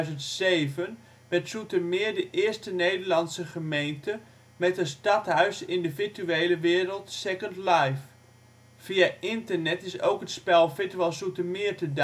de scholen. In maart 2007, werd Zoetermeer de eerste Nederlandse gemeente met een stadhuis in de virtuele wereld Second Life. Via internet is ook het spel Virtual Zoetermeer te